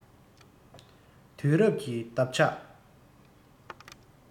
དུས ཀྱི འདབ ཆགས